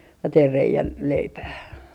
tein reiän leipään